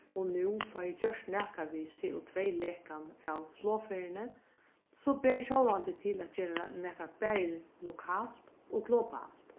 og nú fái gjørt nakað við co2-lekan av flogferðini so ber sjálvandi til at gera eina nakað bæði lokalt og globalt